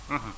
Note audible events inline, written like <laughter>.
<hesitation> <hesitation>